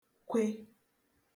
kwe